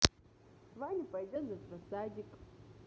ваня пойдет завтра в садик